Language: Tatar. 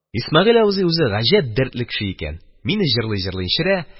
Исмәгыйль абзый үзе гаҗәп дәртле кеше икән, мине җырлый-җырлый эчерә.